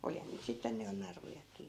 olihan niitä sitten nyt jo narujakin